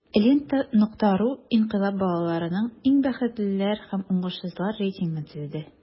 "лента.ру" инкыйлаб балаларының иң бәхетлеләр һәм уңышсызлар рейтингын төзеде.